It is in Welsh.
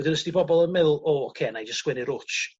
wedyn os 'di bobol yn meddwl o oce nai jys sgwennu rwtsh